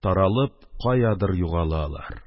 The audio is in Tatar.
Таралып, каядыр югалалар.